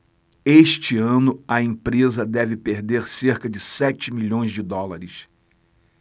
este ano a empresa deve perder cerca de sete milhões de dólares